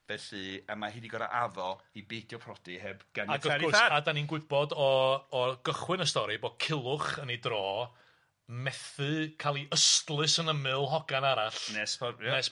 Felly a ma' hi 'di gor'o' addo i beidio prodi heb ganiatâd 'i thad. Ac wrth gwrs a 'dan ni'n gwybod o o gychwyn y stori bod Culwch yn ei dro, methu ca'l 'i ystlys yn ymyl hogan arall... Nes fod ie. ...nes